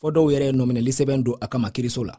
fɔ dɔw ye nɔminɛli sɛbɛn don a kama kiiriso la